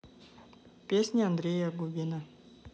песни андрея губина